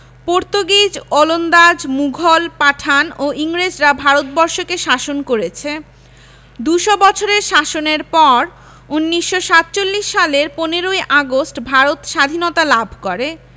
Portuguese ওলন্দাজ মুঘল পাঠান ও ইংরেজরা ভারত বর্ষকে শাসন করেছে দু'শ বছরের শাসনের পর ১৯৪৭ সালের ১৫ ই আগস্ট ভারত সাধীনতা লাভ করে